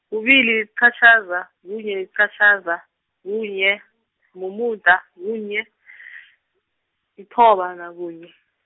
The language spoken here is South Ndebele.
kubili yiqatjhaza, kunye, yiqatjhaza, kunye, mumuda, kunye, yithoba nakunye.